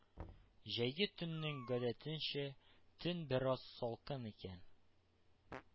Җәйге төннең гадәтенчә, төн бераз салкын икән;